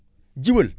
jiwal